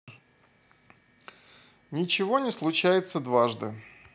ничего не случается дважды